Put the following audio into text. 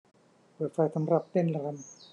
เปิดไฟสำหรับเต้นรำ